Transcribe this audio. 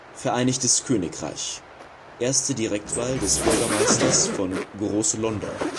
Vereinigtes Königreich: Erste Direktwahl des Bürgermeisters von Groß-London